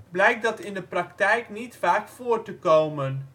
blijkt dat in de praktijk niet vaak voor te komen